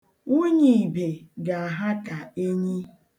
Nwunye Ibe ga-aha ka enyi.